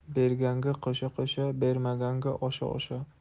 berganga qo'sha qo'sha bermaganga o'sha o'sha